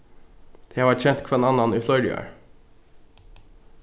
tey hava kent hvønn annan í fleiri ár